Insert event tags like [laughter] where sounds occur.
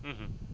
[hesitation] [hesitation]